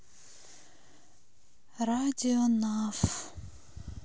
радио наф